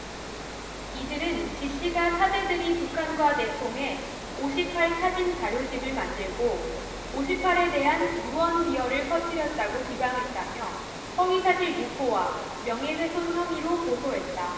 이들은 지씨가 사제들이 북한과 내통해 오 십 팔 사진자료집을 만들고 오 십 팔 에 대한 유언비어를 퍼뜨렸다고 비방했다며 허위사실 유포와 명예훼손 혐의로 고소했다